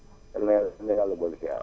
yal na yal na yàlla dolli ziar